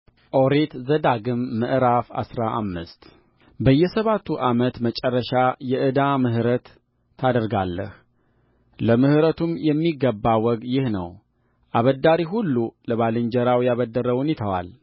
ኦሪት ዘዳግም ምዕራፍ አስራ አምስት በየሰባቱ ዓመት መጨረሻ የዕዳ ምሕረት ታደርጋለህ ለምሕረቱም የሚገባ ወግ ይህ ነው አበዳሪ ሁሉ ለባልንጀራው ያበደረውን ይተዋል